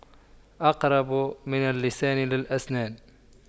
أقرب من اللسان للأسنان